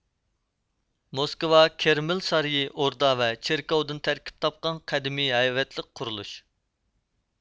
موسكۋا كرېمىل سارىيى ئوردا ۋە چېركاۋدىن تەركىب تاپقان قەدىمىي ھەيۋەتلىك قۇرۇلۇش